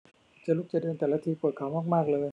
จะลุกจะเดินแต่ละทีปวดเข่ามากมากเลย